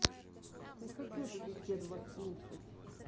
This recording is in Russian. не хочу эту беседу вас слушать